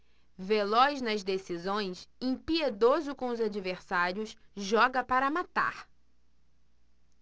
veloz nas decisões impiedoso com os adversários joga para matar